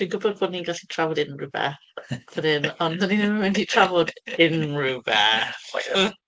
Ti'n gwybod bod ni'n gallu trafod unrhyw beth fan hyn, ond 'dyn ni ddim yn mynd i trafod unrhyw beth!